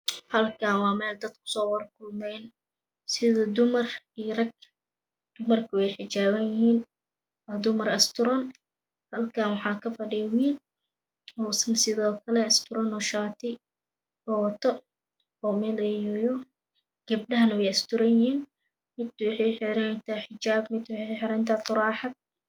Halkaan waa meel dad ku soo kulmeen sida dumar iyo rag dumarka wey xijaapan yihiin waa dumar asturan halakaan waxaa kafdhiya wiil oo asna sidookle asturan shaati oo wato oo meel egaayo gapdhahana wey asturan yihiin mid waxey xirantahy xijaap midna waxey xirantahy taraaxad